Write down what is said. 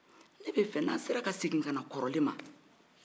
ne bi fɛ n'an sera ka segin kana kɔrɔlen ma